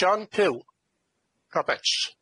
John Pugh Roberts.